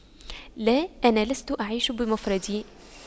لا انا لست أعيش بمفردي